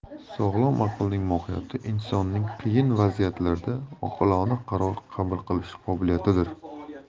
sog'lom aqlning mohiyati insonning qiyin vaziyatlarda oqilona qaror qabul qilish qobiliyatidir